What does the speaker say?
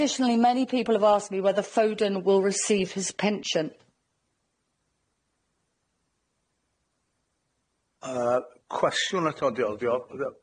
Additionally many people have asked me whether Foden will receive his pension. Yy cwestiwn atodol 'dio, yy.